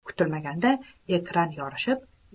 kutilmaganda ekran yorishib